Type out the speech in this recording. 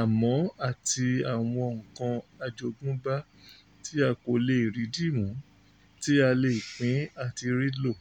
àmọ́ àti àwọn "nǹkan àjogúnbá tí-a-kò-le-è-rí-dìmú" tí a lè pín àti rí lò.